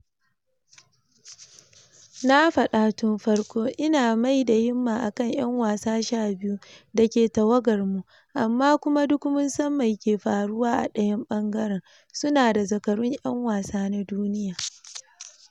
Na fada tun farko, ina mai da himma akan ‘yan wasa 12 dake tawagarmu, amma kuma duk mun san mai ke faruwa a dayan ɓangaren - su na da zakarun yan wasa na duniya.”